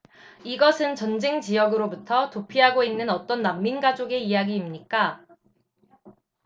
이것은 전쟁 지역으로부터 도피하고 있는 어떤 난민 가족의 이야기입니까